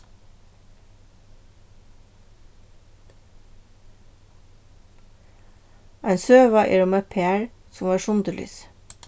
ein søga er um eitt par sum varð sundurlisið